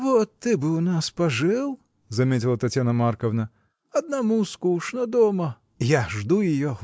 — Вот ты бы у нас пожил, — заметила Татьяна Марковна, — одному скучно дома. — Я жду ее.